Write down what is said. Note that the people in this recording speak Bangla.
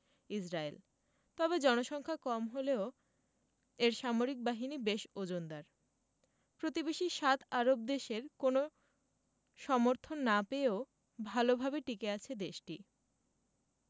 ইসরায়েল তবে জনসংখ্যা কম হলেও এর সামরিক বাহিনী বেশ ওজনদার প্রতিবেশী সাত আরব দেশের কোনো সমর্থন না পেয়েও ভালোভাবে টিকে আছে দেশটি